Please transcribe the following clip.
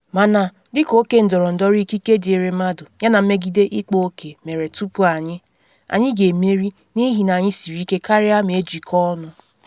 Mana, dị ka oke ndọrọndọrọ ikike dịịrị mmadụ yana mmegide ịkpa oke mere tupu anyị, anyị ga-emeri, n’ihi na anyị siri ike karịa ma ejikọọ ọnụ.